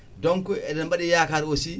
donc eɗen mbaɗi yaka aussi